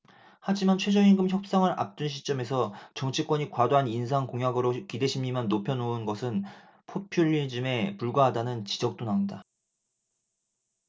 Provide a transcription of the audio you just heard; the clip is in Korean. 하지만 최저임금 협상을 앞둔 시점에서 정치권이 과도한 인상 공약으로 기대심리만 높여놓는 것은 포퓰리즘에 불과하다는 지적도 나온다